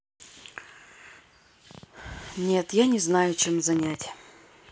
нет я не знаю чем занять